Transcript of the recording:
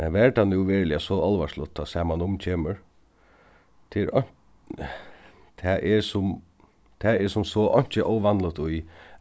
men var tað veruliga so álvarsligt tá samanum kemur tað er sum tað er sum so einki óvanligt í